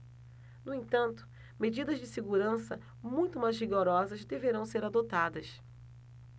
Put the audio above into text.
no entanto medidas de segurança muito mais rigorosas deverão ser adotadas